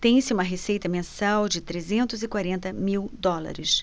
tem-se uma receita mensal de trezentos e quarenta mil dólares